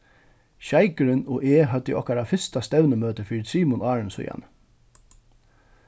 sjeikurin og eg høvdu okkara fyrsta stevnumøti fyri trimum árum síðani